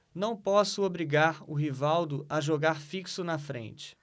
não posso obrigar o rivaldo a jogar fixo na frente